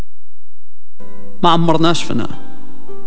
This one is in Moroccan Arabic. ما عمرنا شفنا